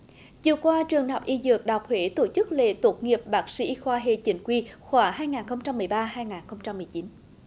chiều qua trường đại học y dược đại học huế tổ chức lễ tốt nghiệp bác sĩ y khoa hệ chính quy khóa hai ngàn không trăm mười ba hai ngàn không trăm mười chín